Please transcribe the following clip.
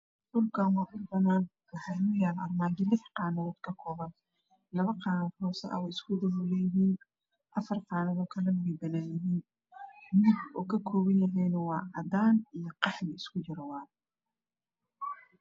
Dhulkan waa dhul banaan waxaa noyaalo armaajo lixqanadood ka kooban laba qanadood hoos ah way iskudabolanyihiin afarqanadood kalana way banaanyihiin midabkuu kakobanyahayna waa cadan iyo qaxwi isku jiro